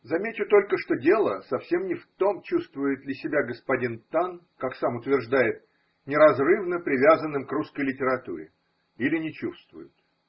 Замечу только, что дело совсем не в том, чувствует ли себя господин Тан, как сам утверждает, неразрывно привязанным к русской литературе или не чувствует.